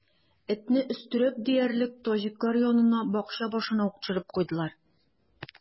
Этне, өстерәп диярлек, таҗиклар янына, бакча башына төшереп куйдылар.